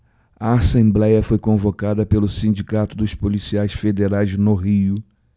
a assembléia foi convocada pelo sindicato dos policiais federais no rio